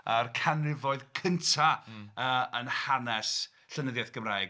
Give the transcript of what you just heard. A'r canrifoedd cynta, yy, yn hanes llenyddiaeth Gymraeg.